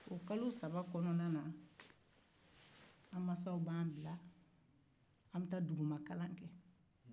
o kalo saba kɔnɔna na an mmansaw b'an bilaa an bɛ taa dugumakalan kɛ